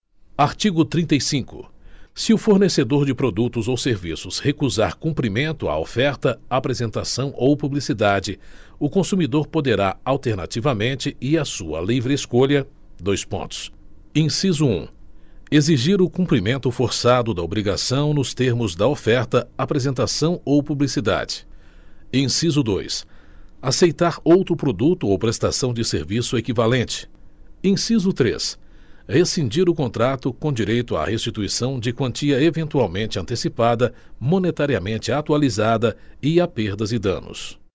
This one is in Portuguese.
artigo trinta e cinco se o fornecedor de produtos ou serviços recusar cumprimento à oferta apresentação ou publicidade o consumidor poderá alternativamente e à sua livre escolha dois pontos inciso um exigir o cumprimento forçado da obrigação nos termos da oferta apresentação ou publicidade inciso dois aceitar outro produto ou prestação de serviço equivalente inciso três rescindir o contrato com direito à restituição de quantia eventualmente antecipada monetariamente atualizada e a perdas e danos